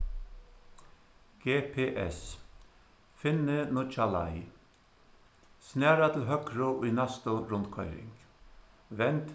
gps finni nýggja leið snara til høgru í næstu rundkoyring vend